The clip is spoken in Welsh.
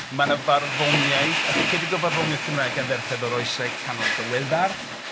Mae 'na farddoniaeth, ychydig o farddoniaeth Gymraeg gan ferched o'r Oesau Canol diweddar.